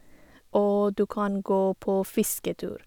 Og du kan gå på fisketur.